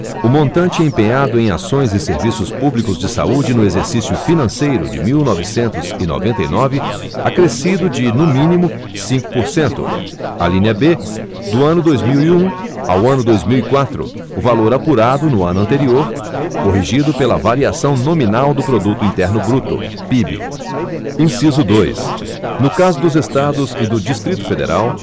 o montante empenhado em ações e serviços públicos de saúde no exercício financeiro de mil novecentos e noventa e nove acrescido de no mínimo cinco por cento alínea b do ano dois mil e um ao ano dois mil e quatro o valor apurado no ano anterior corrigido pela variação nominal do produto interno bruto pib inciso dois no caso dos estados e do distrito federal